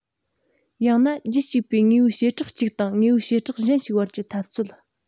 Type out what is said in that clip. ཡང ན རྒྱུད གཅིག པའི དངོས པོའི བྱེ བྲག གཅིག དང དངོས པོའི བྱེ བྲག གཞན ཞིག བར གྱི འཐབ རྩོད